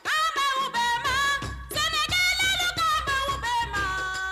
Faama' bɛ faama tile ma' bɛ bɔ